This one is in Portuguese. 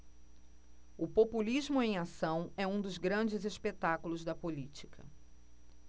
o populismo em ação é um dos grandes espetáculos da política